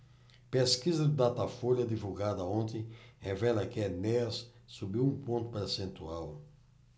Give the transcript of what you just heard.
pesquisa do datafolha divulgada ontem revela que enéas subiu um ponto percentual